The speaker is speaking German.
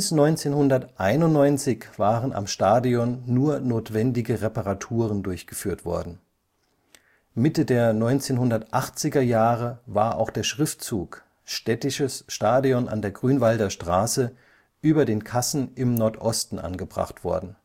1991 waren am Stadion nur notwendige Reparaturen durchgeführt worden. Mitte der 1980er Jahre war auch der Schriftzug Städtisches Stadion an der Grünwalder Straße über den Kassen im Nordosten angebracht worden